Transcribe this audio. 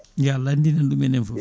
yo Allah andin en ɗum enen foof